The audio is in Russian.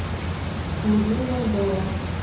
колыбельная белла